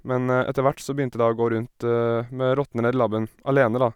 Men etter hvert så begynte da å gå rundt med rottene nedi labben alene, da.